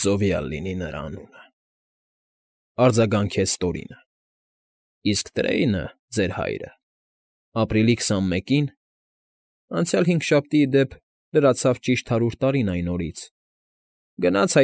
Նզովյալ լինի նրա անունը, ֊ արձագանքեց Տորինը։ ֊ Իսկ Տրեյնը՝ ձեր հայրը, ապրիլի քսանմեկին (անցյալ հինգշաբթի, ի դեպ, լրացավ ճիշտ հարյուր տարին այն օրից) գնաց։